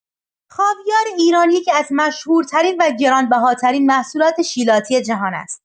خاویار ایران یکی‌از مشهورترین و گران‌بهاترین محصولات شیلاتی جهان است.